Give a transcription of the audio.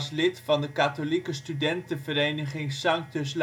lid van de Katholieke studentenvereniging Sanctus